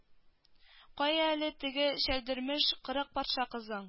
Кая әле теге чәлдермеш кырык патша кызың